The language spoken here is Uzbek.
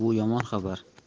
bu yomon xabar